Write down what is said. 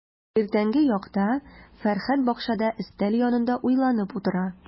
Иртәнге якта Фәрхәт бакчада өстәл янында уйланып утыра.